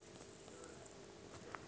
крутые кексы